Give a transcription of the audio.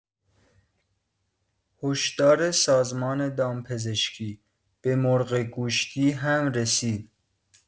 هشدار سازمان دامپزشکی: به مرغ گوشتی هم رسید!